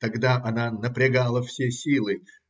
Тогда она напрягала все силы.